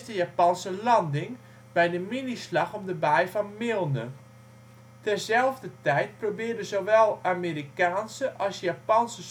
Japanse landing, bij de (mini) slag om de baai van Milne. Terzelfder tijd probeerden zowel Amerikaanse als Japanse